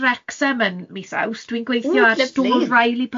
yn Wrecsam yn mis Awst, dwi'n gweithio... O lyfli